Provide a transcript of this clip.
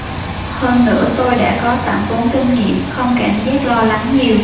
hơn nữa tôi đã có sẵn vốn kinh nghiệm không cảm giác lo lắng nhiều